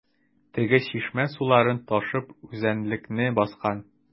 Теге чишмә сулары ташып үзәнлекне баскан.